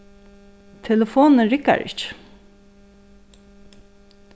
telefonin riggar ikki